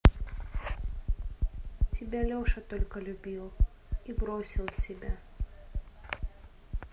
тебя только леша любил и бросил тебя